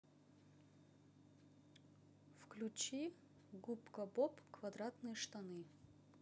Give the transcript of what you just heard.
включи губка боб квадратные штаны